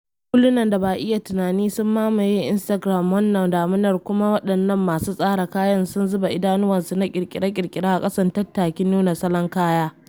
Hulunan da ba a iya tunani sun mamaye Instagram wannan damunar kuma waɗannan masu tsara kayan sun zuba idanunsu na ƙirƙire-ƙirƙire a ƙasan tattakin nuna salon kaya.